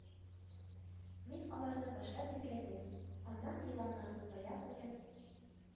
Мин аларны башта тиргәдем, аннан еланнарны таяк белән